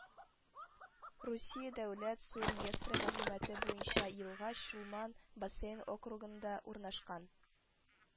Русия дәүләт су реестры мәгълүматы буенча елга Чулман бассейн округында урнашкан